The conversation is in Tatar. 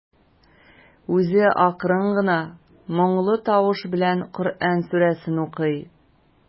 Үзе акрын гына, моңлы тавыш белән Коръән сүрәсен укый.